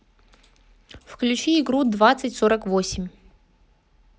включи игру двадцать сорок восемь